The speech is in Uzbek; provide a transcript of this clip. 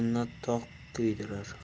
minnat toq kuydirar